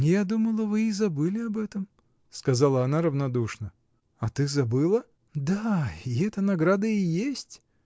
— Я думала, вы и забыли об этом! — сказала она равнодушно. — А ты забыла? — Да, и это награда и есть.